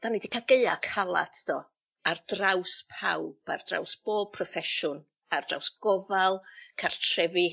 ...'danl ni' 'di ca'l gaea calat do? Ar draws pawb ar draws bob proffesiwn. Ar draws gofal cartrefi